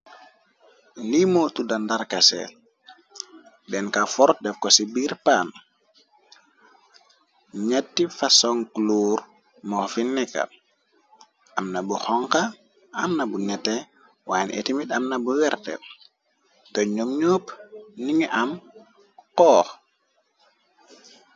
Li moo tudda ndarkase dennka for def ko ci biir paan neeti fason klouur moo fi nekka amna bu xonka amna bu nete waayn étimit amna bu werte te ñoom ñopp ningi am xoox.